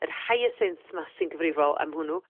yr hyacinth 'ma sy'n gyfrifol am hwnnw.